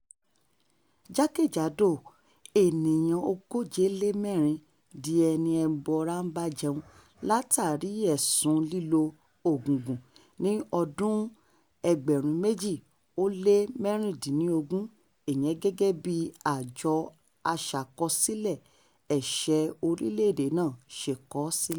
Jákèjádò, ènìyàn 134 di ẹni ẹbọra-ń-bá-jẹun látàrí èsùn-un lílo “ògùngùn” ní ọdún-un 2016, ìyẹn gẹ̀gẹ̀ bí Àjọ Aṣàkọsílẹ̀ Ẹ̀ṣẹ̀ Orílẹ̀-èdè náà ṣe kọ́ ọ sílẹ̀.